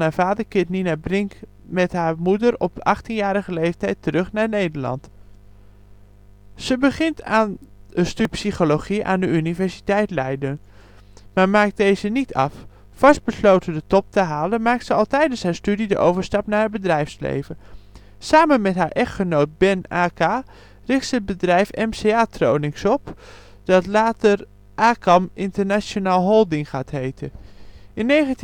vader keert Nina Brink met haar moeder op 18-jarige leeftijd terug naar Nederland. Ze begint aan een studie psychologie aan de Universiteit Leiden, maar maakt deze niet af. Vastbesloten de top te halen, maakt ze al tijdens haar studie de overstap naar het bedrijfsleven. Samen met haar echtgenoot Ben Aka richt ze het bedrijf MCA-Tronix op, dat later Akam International Holding gaat heten. In 1987